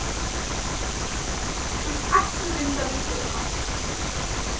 trýst eitt so ringja vit teg uppaftur